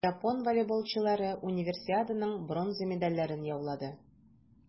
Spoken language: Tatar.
Япон волейболчылары Универсиаданың бронза медальләрен яулады.